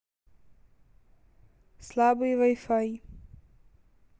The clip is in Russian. слабый вай фай